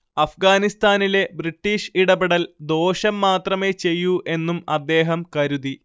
അഫ്ഗാനിസ്താനിലെ British ഇടപെടൽ ദോഷം മാത്രമേ ചെയ്യൂ എന്നും അദ്ദേഹം കരുതി